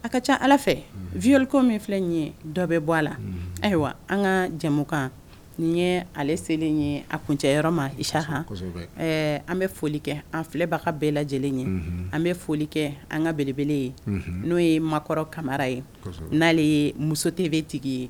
A ka ca ala fɛ viyliko min filɛ ye dɔ bɛ bɔ a la ayiwa an ka jɛmukan ni ye ale selen ye a kuncɛ yɔrɔ ma sa an bɛ foli kɛ an filɛbaga ka bɛɛ lajɛlen ye an bɛ foli kɛ an ka belebele ye n'o ye makɔrɔ kamara ye n'ale ye musotebe tigi ye